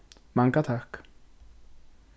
manga takk